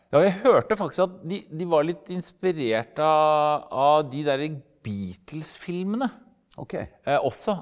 ja jeg hørte faktisk at de de var litt inspirert av av de derre Beatles-filmene også.